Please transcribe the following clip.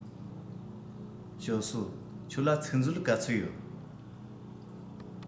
ཞའོ སུའུ ཁྱོད ལ ཚིག མཛོད ག ཚོད ཡོད